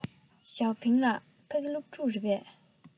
ཞའོ ཧྥུང ལགས ཕ གི སློབ ཕྲུག རེད པས